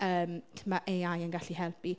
Yym ma' AI yn gallu helpu.